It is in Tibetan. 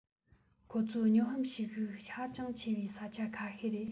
ཁོ ཚོའི སྨྱོ ཧམ བྱེད ཤུགས ཧ ཅང ཆེ བའི ས ཆ ཁ ཤས རེད